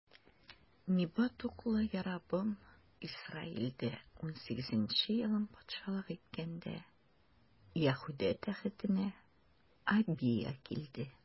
Небат углы Яробам Исраилдә унсигезенче елын патшалык иткәндә, Яһүдә тәхетенә Абия килде.